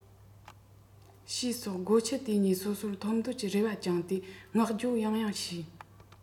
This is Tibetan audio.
ཞེས སོགས སྒོ ཁྱི དེ གཉིས སོ སོར འཐོབ འདོད ཀྱི རེ བ བཅངས ཏེ བསྔགས བརྗོད ཡང ཡང བྱས